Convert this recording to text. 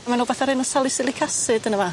Ma'n wbath o'r enw salicylic acid yno fo.